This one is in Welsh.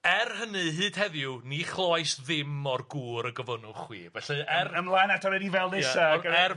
Er hynny hyd heddiw ni chlywais ddim o'r gŵr y gofynnwch chi felly er... Ymlaen eto fel nesa... Ia ocê er